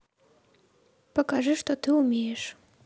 покажи что ты умеешь